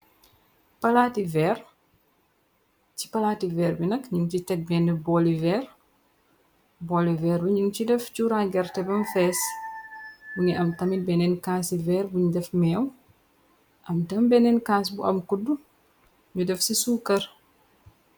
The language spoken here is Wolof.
Palaati vehrre, ci palaati vehrre bi nak njung ci tek benn borli vehrre, borli vehrre, borli vehrre njung ci def chura gerteh bam fess, mungi am tamit benen kassi vehrre bungh def meew, am tamit benen kass bu am kuddu nju def ci sukerre.